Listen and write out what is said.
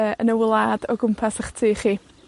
Yy, yn y wlad o gwmpas 'ych tŷ chi.